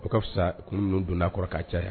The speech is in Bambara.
O ka fisa kunun ninnu donna'a kɔrɔ k'a caya ye